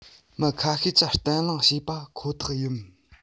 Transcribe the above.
མི ཁ ཤས ཀྱིས གཏམ གླེང བྱེད པ ཁོ ཐག ཡིན